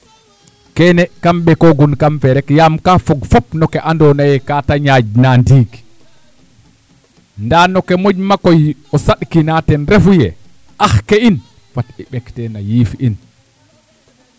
keene kam ɓekoogun kam fee rek yaam kaa fog fop no ke andoona yee kaa ta ñaaƴna ndiig ndaa no ke moƴma koy o saɗkina ten refu yee ax ke in fat i ɗekteen a yiif in